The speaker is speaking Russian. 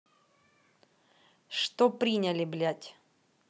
что приняли блядь